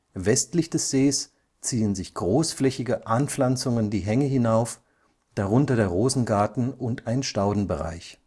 Westlich des Sees ziehen sich großflächige Anpflanzungen die Hänge hinauf, darunter der Rosengarten und ein Staudenbereich